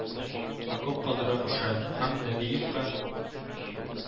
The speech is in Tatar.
Окоп казырга куша һәм нәбиевка